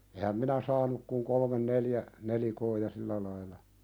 enhän minä saanut kuin kolme neljä nelikkoa ja sillä lailla